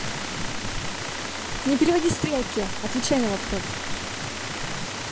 не переводи стрелки отвечай на вопрос